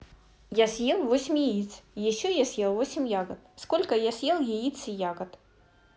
я съел восемь яиц еще съел восемь ягод сколько я съел яица ягод